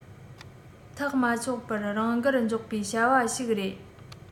ཐག མ ཆོད པར རང དགར འཇོག པའི བྱ བ ཞིག རེད